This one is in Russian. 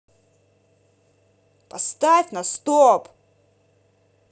поставь на стоп